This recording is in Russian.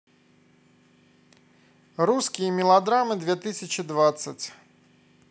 русские мелодрамы две тысячи двадцать